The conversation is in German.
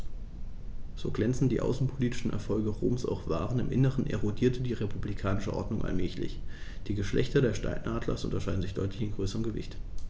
So glänzend die außenpolitischen Erfolge Roms auch waren: Im Inneren erodierte die republikanische Ordnung allmählich. Die Geschlechter des Steinadlers unterscheiden sich deutlich in Größe und Gewicht.